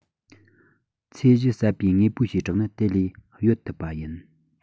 ཚོས གཞི ཟབ པའི དངོས པོའི བྱེ བྲག ནི དེ ལས གཡོལ ཐུབ པ ཡིན